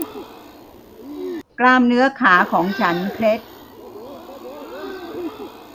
กล้ามเนื้อขาของฉันเคล็ด